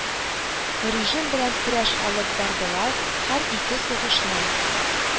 Режим белән көрәш алып бардылар, һәр ике сугышның